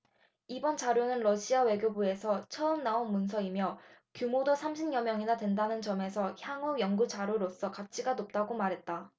이번 자료는 러시아 외교부에서 처음 나온 문서이며 규모도 삼십 여 명이나 된다는 점에서 향후 연구 자료로서 가치가 높다고 말했다